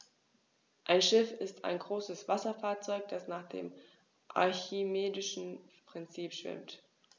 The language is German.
Ein Schiff ist ein größeres Wasserfahrzeug, das nach dem archimedischen Prinzip schwimmt.